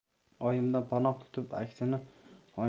oyimdan panoh kutib aksini